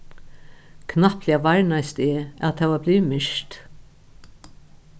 knappliga varnaðist eg at tað var blivið myrkt